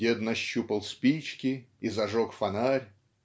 Дед нащупал спички и зажег фонарь.